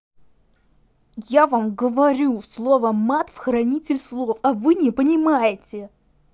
я вам говорю слово мат в хранитель слов а вы не понимаете